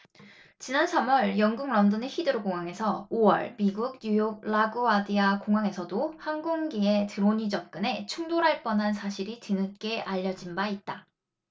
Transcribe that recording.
지난 삼 월 영국 런던의 히드로공항에서 오 월 미국 뉴욕 라구아디아공항에서도 항공기에 드론이 접근해 충돌할 뻔한 사실이 뒤늦게 알려진 바 있다